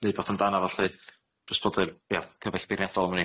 neud wbath amdana fo lly. Jyst bod yr, ia, cyfaill beirniadol am wn i.